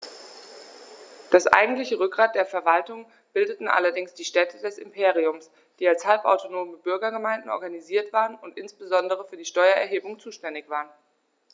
Das eigentliche Rückgrat der Verwaltung bildeten allerdings die Städte des Imperiums, die als halbautonome Bürgergemeinden organisiert waren und insbesondere für die Steuererhebung zuständig waren.